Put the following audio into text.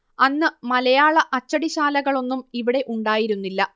അന്നു മലയാള അച്ചടിശാലകളൊന്നും ഇവിടെ ഉണ്ടായിരുന്നില്ല